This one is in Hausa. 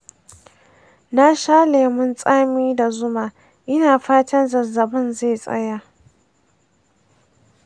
na sha lemun tsami da zuma ina fatan zazzabin zai tsaya.